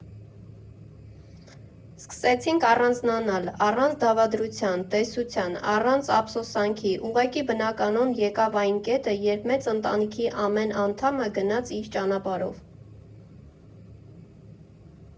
Սկսեցին առանձնանալ, առանց դավադրության տեսության, առանց ափսոսանքի, ուղղակի բնականոն եկավ այն կետը, երբ մեծ ընտանիքի ամեն անդամը գնաց իր ճանապարհով։